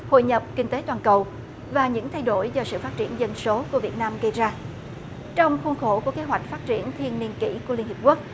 hội nhập kinh tế toàn cầu và những thay đổi do sự phát triển dân số của việt nam gây ra trong khuôn khổ của kế hoạch phát triển thiên niên kỷ của liên hiệp quốc